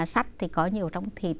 sắt thì có nhiều trong thịt